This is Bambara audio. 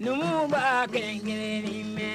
Numubaa kɛ gɛlɛn mɛn